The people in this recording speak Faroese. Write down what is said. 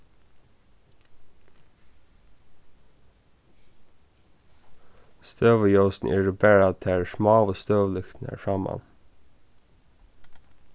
støðuljósini eru bara tær smáu støðulyktirnar framman